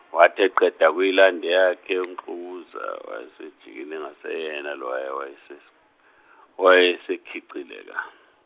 wathi eqeda ukuyilanda eyakhe uMxukuza, wayesejikile engaseyena lowaya owayeses- owayesekhicileka.